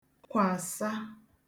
kwàsa